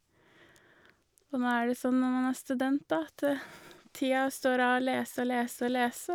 Og nå er det sånn når man er student, da, at tida står av å lese og lese og lese.